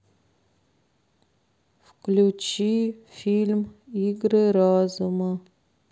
включи фильм игры разума